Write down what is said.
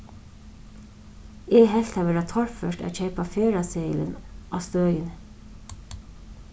eg helt tað vera torført at keypa ferðaseðilin á støðini